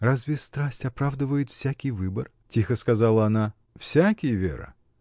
— Разве страсть оправдывает всякий выбор?. — тихо сказала она. — Всякий, Вера.